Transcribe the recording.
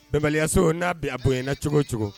Bɛnbaliyaso n'a bɛ yen a bonya na cogo cogo